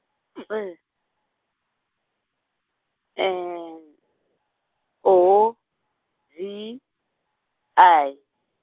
T, N O G I.